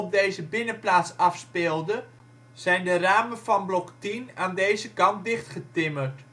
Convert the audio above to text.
deze binnenplaats afspeelde, zijn de ramen van blok 10 aan deze kant dichtgetimmerd